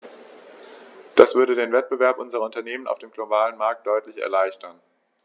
Das würde den Wettbewerb unserer Unternehmen auf dem globalen Markt deutlich erleichtern.